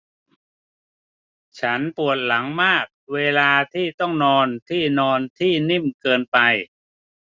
ฉันปวดหลังมากเวลาที่ต้องนอนที่นอนที่นิ่มเกินไป